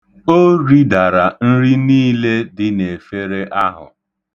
O ridara nri niile dị n'efere ahụ.